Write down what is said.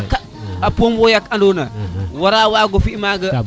a poŋoyo ke ando na wara wago fi amga